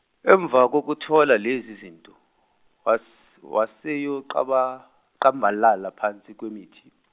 emva kokuthola lezi zinto, was- waseyocaba- cambalala phansi kwemithi.